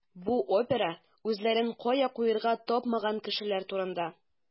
Бу опера үзләрен кая куярга тапмаган кешеләр турында.